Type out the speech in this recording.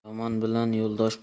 yomon bilan yo'ldosh